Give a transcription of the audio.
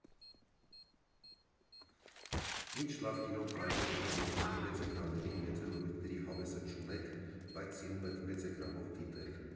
Ի՞նչ լավ կինո կարելի է դիտել Երևանի մեծ էկրաններին, եթե նորույթների հավեսը չունեք, բայց սիրում եք մեծ էկրանով դիտել։